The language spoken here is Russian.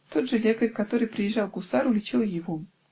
Тот же лекарь, который приезжал к гусару, лечил и его.